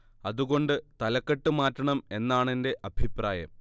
അതുകൊണ്ട് തലക്കെട്ട് മാറ്റണം എന്നാണെന്റെ അഭിപ്രായം